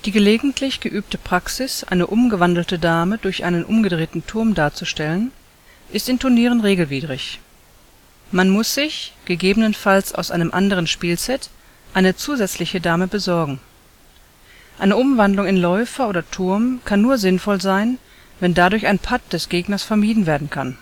gelegentlich geübte Praxis, eine umgewandelte Dame durch einen umgedrehten Turm darzustellen, ist in Turnieren regelwidrig; man muss sich, gegebenenfalls aus einem anderen Spielset, eine zusätzliche Dame besorgen. Eine Umwandlung in Läufer oder Turm kann nur sinnvoll sein, wenn dadurch ein Patt des Gegners vermieden werden kann